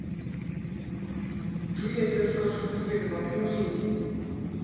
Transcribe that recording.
да я тебе скажу тупика заткнись